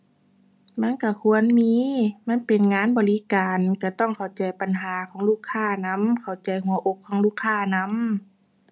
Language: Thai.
มันก็ควรมี มันเป็นงานบริการ ก็ต้องเข้าใจปัญหาของลูกค้านำ เข้าใจหัวอกของลูกค้านำ